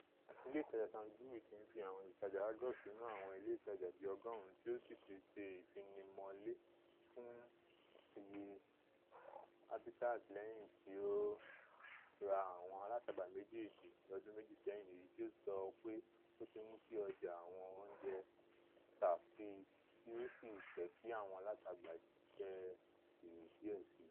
Ilè ìtàjà Sainsbury ti ńfi àwọn ibi ìtajà Argos sínú àwọn ilé ìtajà bii ọgọ́ọ̀rún tí o sì ti ṣe ìfinimọlé fún iye Habitats lẹ́yìn tí o ra àwọn alátagbà méjèèjì lọ́dún méjì sẹ́yìn, èyití ó sọ pé ó ti mú ki ọjà àwọn oúnjẹ̀ tà síi tí ó sì jẹ́kí àwọn alátagbà jẹ érè díẹ̀ síi.